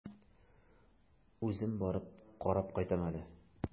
Үзем барып карап кайтам әле.